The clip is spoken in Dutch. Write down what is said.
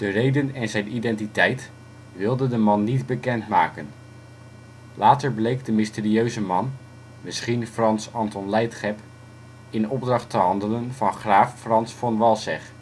reden en zijn identiteit wilde de man niet bekendmaken. Later bleek de mysterieuze man (misschien Franz Anton Leitgeb) in opdracht te handelen van graaf Franz von Walsegg